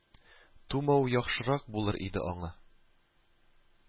Тумау яхшырак булыр иде аңа